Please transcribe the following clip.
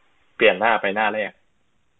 เปลี่ยนหน้าไปหน้าแรก